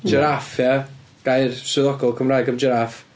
Jiráff, ia. Gair swyddogol Cymraeg am jiráff.